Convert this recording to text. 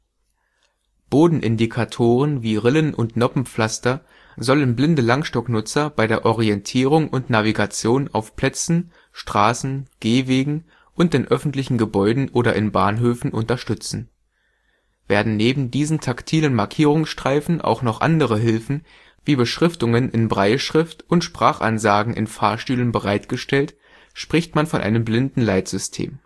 Bodenindikatoren wie Rillen - und Noppenpflaster sollen blinde Langstock-Nutzer bei der Orientierung und Navigation auf Plätzen, Straßen, Gehwegen und in öffentlichen Gebäuden oder in Bahnhöfen unterstützen. Werden neben diesen taktilen Markierungsstreifen auch noch andere Hilfen wie Beschriftungen in Brailleschrift und Sprachansagen in Fahrstühlen bereitgestellt, spricht man von einem Blindenleitsystem